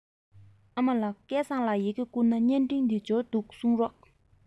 ཨ མ ལགས སྐལ བཟང ལ ཡི གེ བསྐུར ན བརྙན འཕྲིན དེ འབྱོར འདུག གསུངས རོགས